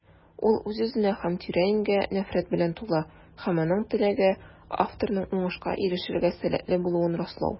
Ул үз-үзенә һәм тирә-юньгә нәфрәт белән тулы - һәм аның теләге: авторның уңышка ирешергә сәләтле булуын раслау.